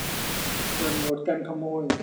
เปิดโหมดกันขโมย